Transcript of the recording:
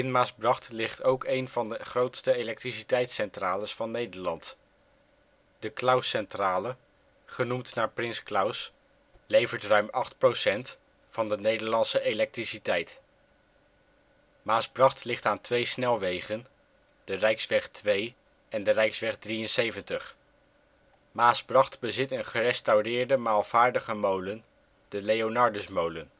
Maasbracht ligt ook een van de grootste elektriciteitscentrales van Nederland. De Clauscentrale, genoemd naar Prins Claus, levert ruim 8 % van de Nederlandse elektriciteit. Maasbracht ligt aan twee snelwegen, de Rijksweg 2 en de Rijksweg 73. Maasbracht bezit een gerestaureerde maalvaardige molen, de Leonardusmolen